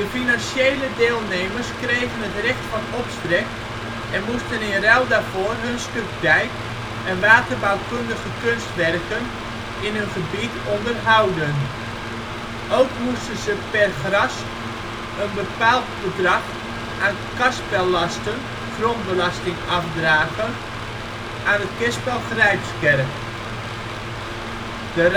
financiële deelnemers kregen het recht van opstrek en moesten in ruil daarvoor hun stuk dijk en waterbouwkundige kunstwerken in hun gebied onderhouden. Ook moesten ze per gras een bepaald bedrag aan karspellasten (grondbelasting) afdragen aan het kerspel Grijpskerk. De Ruigewaard